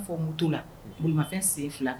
fɔ moto la, bolimafɛn sen 2